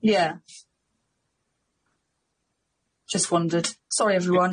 Yeah. Just wondered. Sorry everyone.